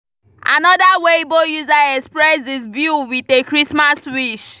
Another Weibo user expressed his view with a Christmas wish: